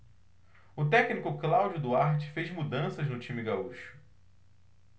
o técnico cláudio duarte fez mudanças no time gaúcho